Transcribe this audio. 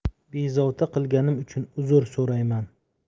bezovta qilganim uchun uzr so'rayman